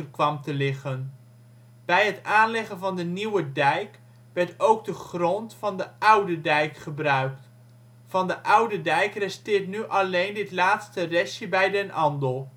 kwam te liggen. Bij het aanleggen van de nieuwe dijk werd ook de grond van de oude dijk gebruikt. Van de oude dijk resteert nu alleen dit laatste restje bij Den Andel